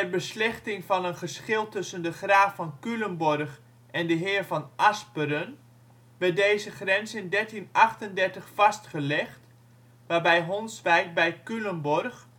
beslechting van een geschil tussen de Graaf van Culemborg en de Heer van Asperen werd deze grens in 1338 vastgelegd, waarbij Honswijk bij Culemborg